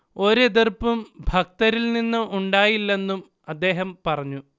ഒരു എതിർപ്പും ഭക്തരിൽനിന്ന് ഉണ്ടായില്ലെന്നും അദ്ദേഹം പറഞ്ഞു